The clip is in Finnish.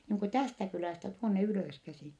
niin kuin tästä kylästä tuonne ylöskäsin